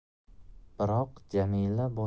biroq jamila boshini quyi